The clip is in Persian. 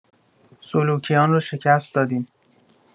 سلوکیان رو شکست دادیم.